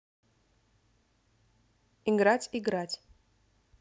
играть играть